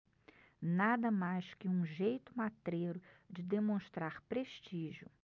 nada mais que um jeito matreiro de demonstrar prestígio